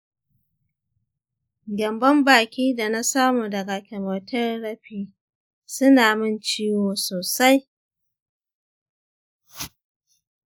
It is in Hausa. gyambon baki da na samu daga chemotherapy suna min ciwo sosai.